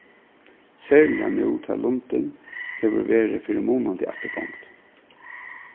serliga nú tá lundin hevur verið fyri munandi afturgongd